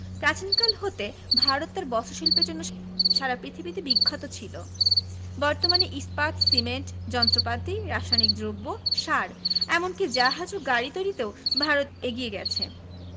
প্রাচীনকাল হতে ভারত তার বস্ত্রশিল্পের জন্য সারা পৃথিবীতে বিখ্যাত ছিল বর্তমানে ইস্পাত সিমেন্ট যন্ত্রপাতি রাসায়নিক দ্রব্য সার এমন কি জাহাজ ও গাড়ি তৈরিতেও ভারত এগিয়ে গেছে